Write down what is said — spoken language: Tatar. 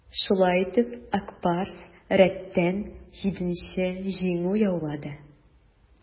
Шулай итеп, "Ак Барс" рәттән җиденче җиңү яулады.